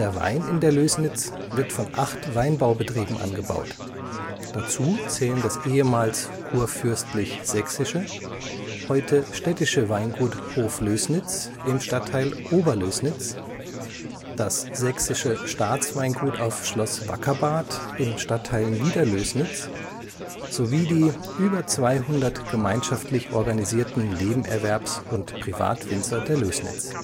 Wein in der Lößnitz wird von acht Weinbaubetrieben angebaut. Dazu zählen das ehemals Kurfürstlich-Sächsische, heute städtische Weingut Hoflößnitz im Stadtteil Oberlößnitz, das Sächsische Staatsweingut auf Schloss Wackerbarth im Stadtteil Niederlößnitz, sowie die über 200 gemeinschaftlich organisierten Nebenerwerbs - und Privatwinzer der Lößnitz